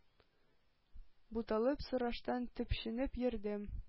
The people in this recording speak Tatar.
Буталып, сорашып-төпченеп йөрдем.